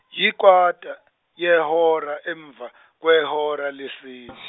yikwata yehora emva kwehora lesi- .